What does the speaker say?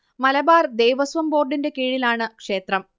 മലബാർ ദേവസ്വം ബോർഡിന്റെ കീഴിലാണ് ക്ഷേത്രം